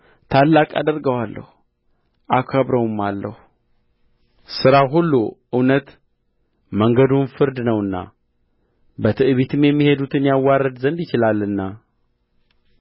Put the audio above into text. ታላቅም አደርገዋለሁ አከብረውማለሁ ሥራው ሁሉ እውነት መንገዱም ፍርድ ነውና በትዕቢትም የሚሄዱትን ያዋርድ ዘንድ ይችላልና